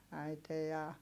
äiti ja